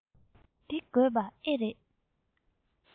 འདི དགོས པ ཨེ རེད